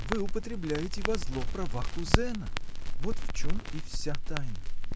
— Вы употребляете во зло права кузеня — вот в чем и вся тайна.